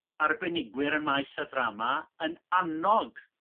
arbenigwyr y maes y ddrama yn annog